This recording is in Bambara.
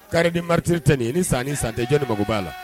Carré des martyrs tɛ nin ye, ni san ni san tɛ jɔnni mako b'a la.